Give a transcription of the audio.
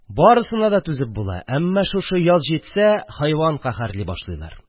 Барысына да түзеп була, әммә шушы яз җитсә, хайван каһәрли башлыйлар